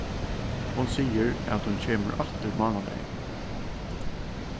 hon sigur at hon kemur aftur mánadagin